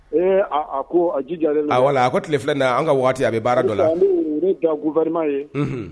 Ee aaa a ko a jija a ko tile filɛ na an ka waati a bɛ baara dɔ la da gma ye